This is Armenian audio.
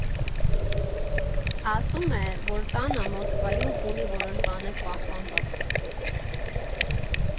Ասում է, որ տանը, Մոսկվայում ունի որոշ բաներ պահպանված։